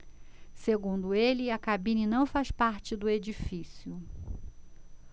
segundo ele a cabine não faz parte do edifício